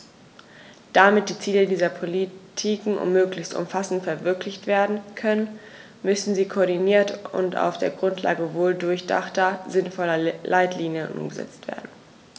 Damit die Ziele dieser Politiken möglichst umfassend verwirklicht werden können, müssen sie koordiniert und auf der Grundlage wohldurchdachter, sinnvoller Leitlinien umgesetzt werden.